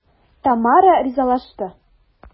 Тамара ризалашты.